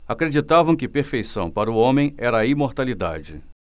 acreditavam que perfeição para o homem era a imortalidade